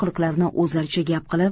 o'zlaricha gap qilib